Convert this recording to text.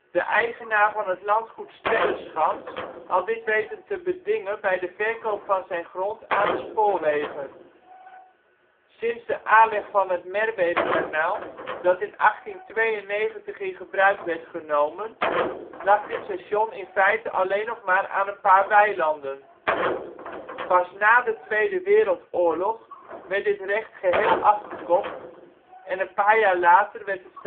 de eigenaar van het landgoed Sterreschans had dit weten te bedingen bij de verkoop van zijn grond aan de spoorwegen. Sinds de aanleg van het Merwedekanaal, dat in 1892 in gebruik werd genomen, lag dit station in feite alleen nog maar aan een paar weilanden. Pas na de Tweede Wereldoorlog werd dit recht geheel afgekocht, en een paar jaar later werd